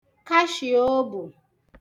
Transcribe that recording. kashì obù